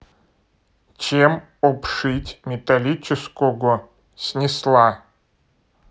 чем обшить металлического снесла